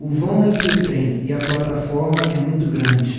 o vão entre o trem e a plataforma é muito grande